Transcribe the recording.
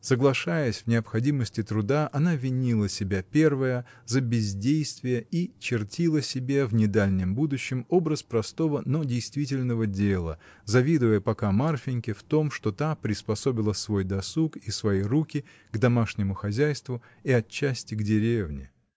Соглашаясь в необходимости труда, она винила себя первая за бездействие и чертила себе, в недальнем будущем, образ простого, но действительного дела, завидуя пока Марфиньке в том, что та приспособила свой досуг и свои руки к домашнему хозяйству и отчасти к деревне.